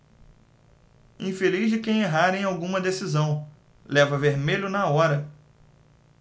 infeliz de quem errar em alguma decisão leva vermelho na hora